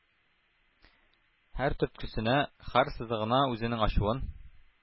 Һәр төрткесенә, һәр сызыгына үзенең ачуын,